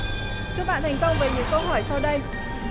chúc bạn thành công với những câu hỏi sau đây